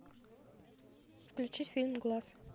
включи фильм глаз